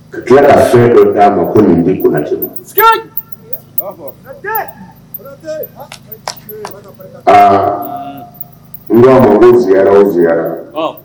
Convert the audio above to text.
Tila fɛn dɔ d'a ma ko nin den ko cɛ aa na ma ziyara o ziyara